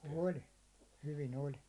oli hyvin oli